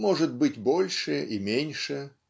может быть больше и меньше